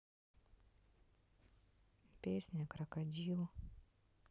песня крокодил